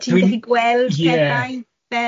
ti'n gallu gweld... Ie... pethau fel